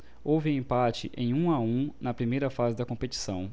houve empate em um a um na primeira fase da competição